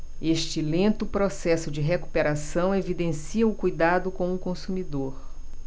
este lento processo de recuperação evidencia o cuidado com o consumidor